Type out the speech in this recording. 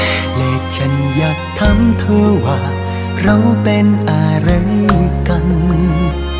và anh muốn hỏi anh rằng chúng ta là thế nào